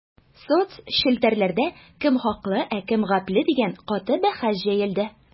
Соцчелтәрләрдә кем хаклы, ә кем гапле дигән каты бәхәс җәелде.